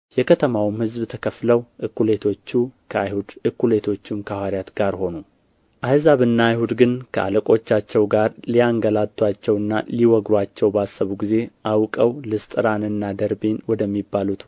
የከተማውም ሕዝብ ተከፍለው እኵሌቶቹ ከአይሁድ እኵሌቶቹም ከሐዋርያት ጋር ሆኑ አሕዛብና አይሁድ ግን ከአለቆቻቸው ጋር ሊያንገላቱአቸውና ሊወግሩአቸው ባሰቡ ጊዜ አውቀው ልስጥራንና ደርቤን ወደሚባሉት